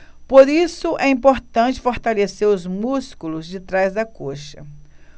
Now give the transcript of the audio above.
por isso é importante fortalecer os músculos de trás da coxa